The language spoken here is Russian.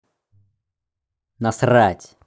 насрать